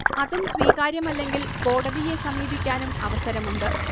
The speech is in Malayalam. അതും സ്വീകാര്യമല്ലെങ്കിൽ കോടതിയെ സമീപിക്കാനും അവസരമുണ്ട്